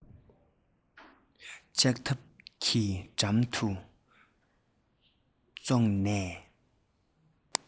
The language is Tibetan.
ལྕགས ཐབ གྱི འགྲམ དུ ཙོག ནས